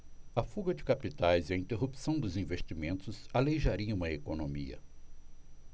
a fuga de capitais e a interrupção dos investimentos aleijariam a economia